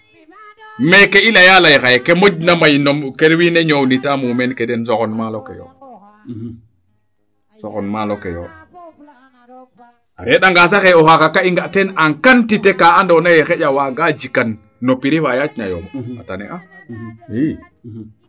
mais ke i leya ley xaye ke moƴna may no kee wiin we ñoow nita muumeen ke den soxn maalo ke yoo soxon maalo ko yo a reend anga saxe o xaaga ka i nga teen en quantité kaa ando naye xaƴa waaga jikan no prix faa yaac na yoomb a tane a i